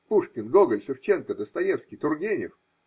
Пушкин, Гоголь, Шевченко, Достоевский, Тургенев.